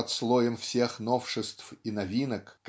и под слоем всех новшеств и новинок